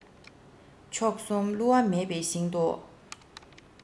མཆོག གསུམ བསླུ བ མེད པའི ཞིང དུ